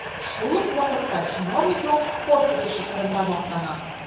Шул ук вакытта чиновниклар спорт үсеше турында мактана.